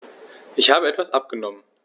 Ich habe etwas abgenommen.